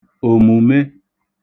òmùme